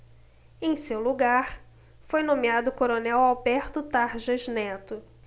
em seu lugar foi nomeado o coronel alberto tarjas neto